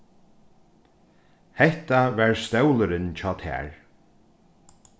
hetta var stólurin hjá tær